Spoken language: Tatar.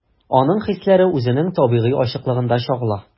Аның хисләре үзенең табигый ачыклыгында чагыла.